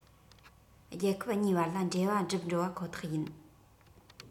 རྒྱལ ཁབ གཉིས བར ལ འབྲེལ བ བསྒྲིབས འགྲོ བ ཁོ ཐག ཡིན